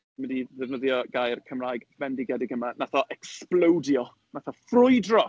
Dwi'n mynd i ddefnyddio gair Cymraeg bendigedig yma. Wnaeth o egsplowdio. Wnaeth o ffrwydro!